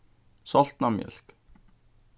soltna mjólk